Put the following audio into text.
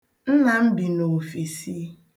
Nna m bi n'ofesi.